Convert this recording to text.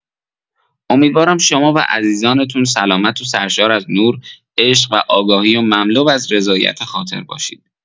امیدوارم شما و عزیزانتون سلامت و سرشار از نور، عشق و آگاهی و مملو از رضایت خاطر باشین